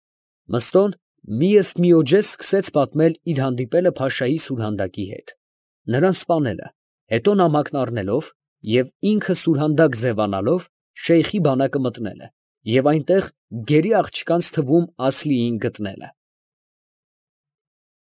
Մըստոն մի ըստ միոջե սկսեց պատմել իր հանդիպելը փաշայի սուրհանդակի հետ, նրան սպանելը, հետո նամակն առնելով, և ինքն սուրհանդակ ձևանալով, շեյխի բանակը մտնելը և այնտեղ գերի աղջկանց թվում Ասլիին գտնելը։ ֊